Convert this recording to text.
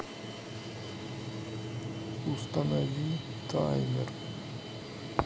установи таймер